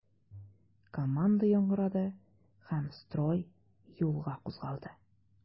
Команда яңгырады һәм строй юлга кузгалды.